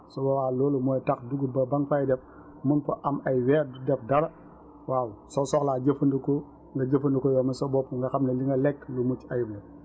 su boobaa loolu mooy tax dugub ba nga fay def mun fa am ay weer du def dara waaw soo soxlaa jëfandiku nga jëfandiku yow mii sa bopp nga xam ne li nga lekk lu mucc ayib la